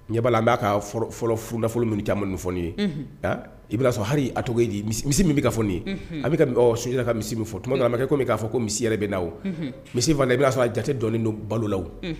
N ɲɛ' la an b'a ka fɔlɔ fundafolo minnu caman ni fɔɔni ye i'a sɔrɔ hali ato di misi min bɛ ka fɔɔni a bɛ sunjata ka misi min fɔ tuma nanamakɛ ko min k'a fɔ ko misi yɛrɛ bɛ naaw misi i'a sɔrɔ a jatetɛ dɔnɔni don balolaw